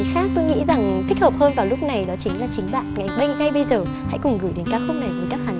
khác tôi nghĩ rằng thích hợp hơn vào lúc này đó chính là chính bạn nguyễn minh ngay bây giờ hãy cùng gửi đến ca khúc